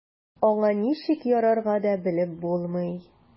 Аңа ничек ярарга да белеп булмый.